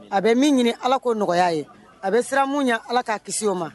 A bɛ min ɲini ala ko nɔgɔya ye a bɛ siran min ɲɛ ala' kisi o ma